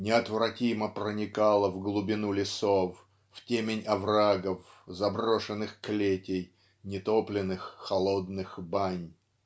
неотвратимо проникала в глубину лесов в темень оврагов заброшенных клетей нетопленых холодных бань.